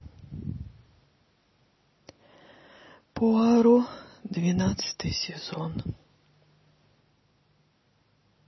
пуаро двенадцатый сезон